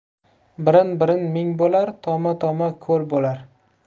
birin birin ming bo'lar toma toma ko'l bo'lar